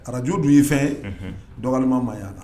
Radio dun ye fɛn ye , unhun, dɔgɔyalima maɲi a la.